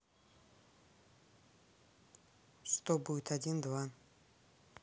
что будет один два